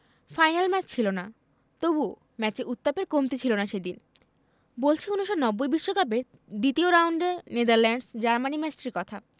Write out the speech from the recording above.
final match ছিল না তবু ম্যাচে উত্তাপের কমতি ছিল না সেদিন বলছি ১৯৯০ বিশ্বকাপের দ্বিতীয় রাউন্ডের নেদারল্যান্ডস জার্মানি ম্যাচটির কথা